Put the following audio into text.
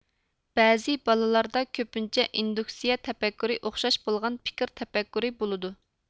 بەزى بالىلاردا كۆپىنچە ئىندۇكسىيە تەپەككۇرى ئوخشاش بولغان پىكىر تەپەككۇرى بولىدۇ